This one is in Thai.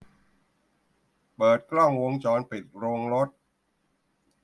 เปิดกล้องวงจรปิดโรงรถ